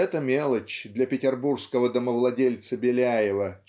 это мелочь для петербургского домовладельца Беляева